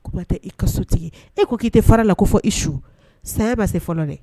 Kuma tɛ i ka sotigi e ko k'i tɛ fara la ko fɔ isu saya bɛ se fɔlɔ dɛ